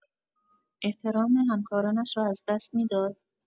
احترام همکارانش را از دست می‌داد؟